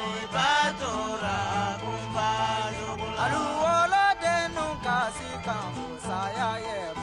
kunpan jugu la wolodenninw kasikan bɔ saya ye